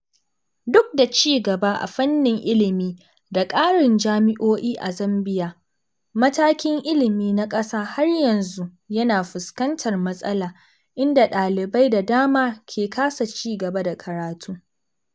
Duk da ci gaba a fannin ilimi da ƙarin jami’o’i a Zambiya, matakin ilimi na ƙasa har yanzu yana fuskantar matsala inda ɗalibai da dama ke kasa ci gaba da karatu.